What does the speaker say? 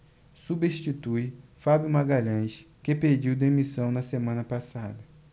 substitui fábio magalhães que pediu demissão na semana passada